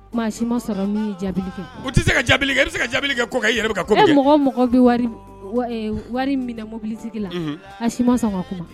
Tuma si ma sɔrɔ kɛ tɛ se kase ka kɛ kɔ mɔgɔ mɔgɔ bɛ wari minɛ mobilisigi la a si ma